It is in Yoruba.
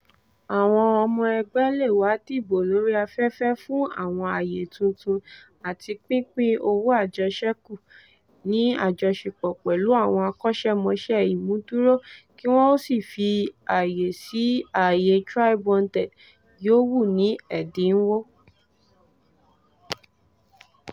Àwọn ọmọ ẹgbẹ́ lè wá dìbò lórí afẹ́fẹ́ fún àwọn àyè tuntun àti pínpín owó àjẹṣẹ́kù, ní àjọṣepọ̀ pẹ̀lú àwọn akọ́ṣẹ́mọṣẹ́ ìmúdúró, kí wọn ó sì fi àyè sí ààyè TribeWanted yòówù ní ẹ̀dínwó.